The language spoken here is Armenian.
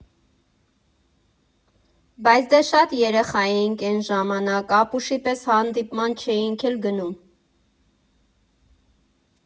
Բայց դե շատ երեխա էինք էն ժամանակ, ապուշի պես հանդիպման չէինք էլ գնում։